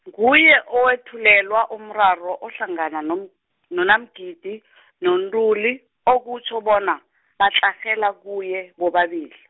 nguye owethulelwa umraro ohlangana nom- noNaMgidi , noNtuli okutjho bona, batlarhela kuye bobabili.